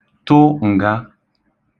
tụ ǹga